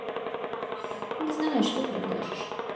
не знаю что предложишь